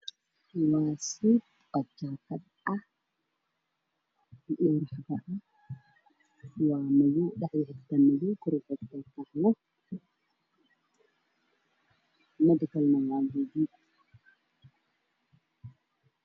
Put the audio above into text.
Waa suud midabkiisu yahay qaxwi midow meel ayuu suran yahay waana carwo dhar ayaa ka dambeeyo